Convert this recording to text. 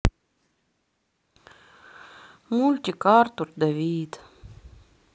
мультик артур давид